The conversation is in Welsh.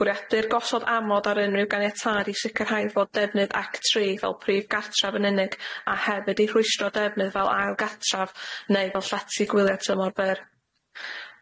Bwriadir gosod amod ar unrhyw ganiatâd i sicrhau fod defnydd ec tri fel prif gartref yn unig a heb wedi rhwystro defnydd fel ail gartraf neu fel llety gwylia tymor byr.